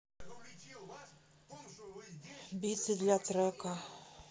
биты для трека